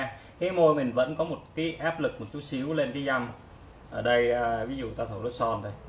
cái môi vẫn có một chút áp lực lên reed ví dụ tôi thổi nốt g